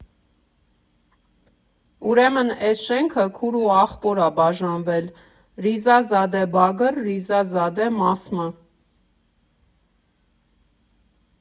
Ուրեմն էս շենքը քուր ու ախպոր ա բաժանվել՝ Ռիզա Զադե Բագր, Ռիզա Զադե Մասմա։